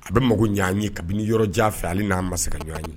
A bɛ mago ɲ ye kabini yɔrɔ jan fɛ ale n'a ma se ka ɲɔgɔn ye